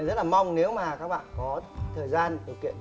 rất là mong nếu mà các bạn có thời gian thực hiện